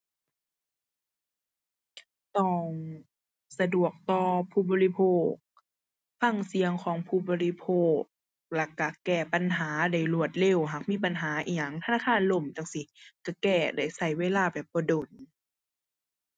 ต้องสะดวกต่อผู้บริโภค ฟังเสียงของผู้บริโภค แล้วก็แก้ปัญหาได้รวดเร็วหากมีปัญหาอิหยังธนาคารล่มจั่งซี้ ก็แก้ได้ ก็เวลาแบบบ่โดน